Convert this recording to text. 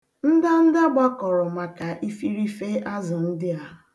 Ndanda gbakọrọ maka ifirife azụ ndịa.